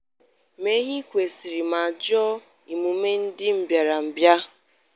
Mee ihe ị kwesịrị ma jụ emume ndị mbịarambịa.